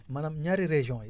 maanaam ñaari régions yi